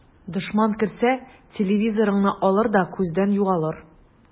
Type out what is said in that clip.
Дошман керсә, телевизорыңны алыр да күздән югалыр.